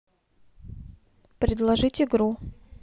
продолжить игру